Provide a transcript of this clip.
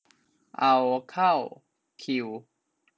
เอาเข้าคิว